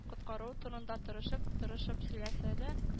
Коткаруы турында тырышып—тырышып сөйләсә дә